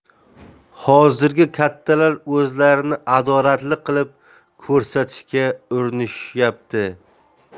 hozirgi kattalar o'zlarini adolatli qilib ko'rsatishga urinishyapti